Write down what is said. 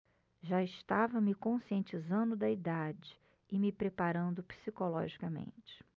já estava me conscientizando da idade e me preparando psicologicamente